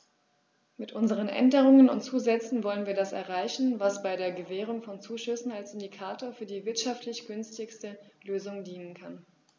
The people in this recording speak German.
Mit unseren Änderungen und Zusätzen wollen wir das erreichen, was bei der Gewährung von Zuschüssen als Indikator für die wirtschaftlich günstigste Lösung dienen kann.